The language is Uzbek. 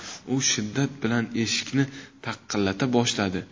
u shiddat bilan eshikni taqillata boshladi